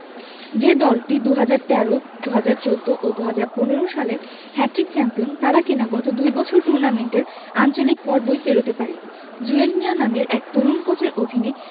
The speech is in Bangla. যে দলটি ২০১৩ ২০১৪ ও ২০১৫ সালে হ্যাটট্রিক চ্যাম্পিয়ন তারা কিনা গত দুই বছর টুর্নামেন্টের আঞ্চলিক পর্বই পেরোতে পারেনি জুয়েল মিয়া নামের এক তরুণ কোচের অধীনে